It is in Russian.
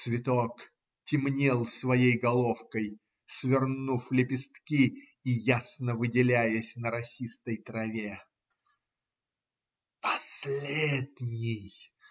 Цветок темнел своей головкой, свернув лепестки и ясно выделяясь на росистой траве. - Последний!